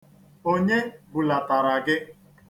Onye bulatara gị?